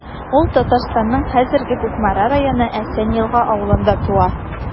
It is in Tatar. Ул Татарстанның хәзерге Кукмара районы Әсән Елга авылында туа.